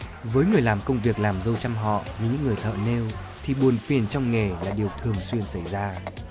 với người làm công việc làm dâu trăm họ như những người thợ nêu thì buồn phiền trong nghề là điều thường xuyên xảy ra